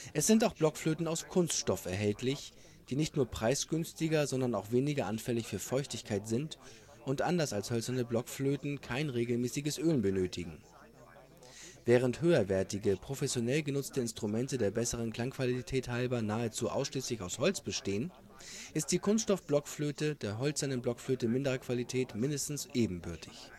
Es sind auch Blockflöten aus Kunststoff erhältlich, die nicht nur preisgünstiger, sondern auch weniger anfällig für Feuchtigkeit sind und anders als hölzerne Blockflöten kein regelmäßiges Ölen benötigen. Während höherwertige, professionell genutzte Instrumente der besseren Klangqualität halber nahezu ausschließlich aus Holz bestehen, ist die Kunststoffblockflöte der hölzernen Blockflöte minderer Qualität mindestens ebenbürtig